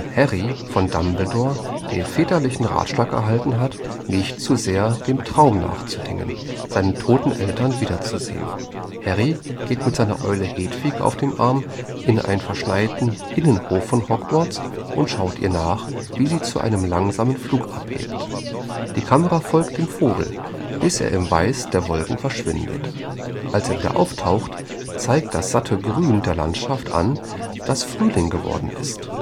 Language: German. Harry von Dumbledore den väterlichen Ratschlag erhalten hat, nicht zu sehr dem Traum nachzuhängen, seine toten Eltern wiederzusehen: Harry geht mit seiner Eule Hedwig auf dem Arm in einen schneebedeckten Innenhof von Hogwarts und schaut ihr nach, wie sie zu einem langsamen Flug abhebt. Die Kamera folgt dem Vogel, bis er im Weiß der Wolken verschwindet. Als er wieder auftaucht, zeigt das satte Grün der Landschaft an, dass Frühling geworden ist